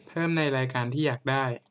เพิ่มในรายการที่อยากได้